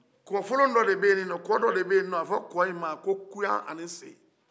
kɔfɔlon don de bɛ ye ninɔ kɔ dɔ de bɛ ye ninɔ a bɛ fɔ kɔ yima ko koya ani sen